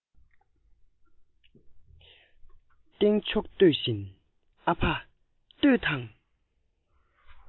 སྟེང ཕྱོགས སྟོན བཞིན ཨ ཕ ལྟོས དང